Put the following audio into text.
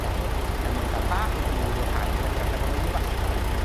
hefyd, er mwyn ca'l bach o gnwd o rhain, hytrach na bo' nw'n mynd i wastraff.